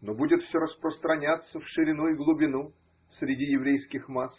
но будет все распространяться в ширину и глубину среди еврейских масс.